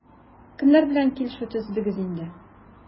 Кемнәр белән килешү төзедегез инде?